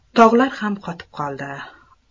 tog'lar ham qotib qoldi